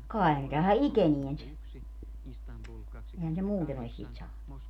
kai ne tähän ikeneen se eihän se muuten olisi siitä saanut